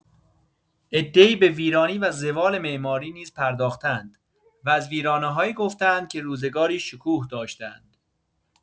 عده‌ای به ویرانی و زوال معماری نیز پرداخته‌اند و از ویرانه‌هایی گفته‌اند که روزگاری شکوه داشتند.